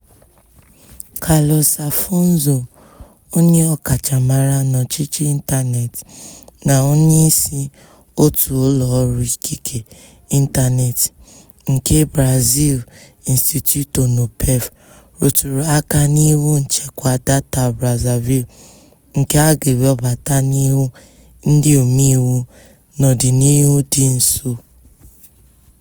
Carlos Afonso, onye ọkachamara n'ọchịchị ịntaneetị na onyeisi òtù ụlọọrụ ikike ịntaneetị nke Brazil Instituto Nupef, rụtụrụ aka n'Iwu Nchekwa Data Brazil, nke a ga-ewebata n'ihu Ndị Omeiwu n'ọdịnihu dị nso.